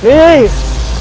đi